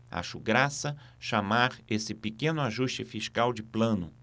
acho graça chamar esse pequeno ajuste fiscal de plano